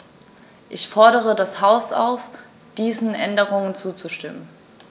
Ich fordere das Haus auf, diesen Änderungen zuzustimmen.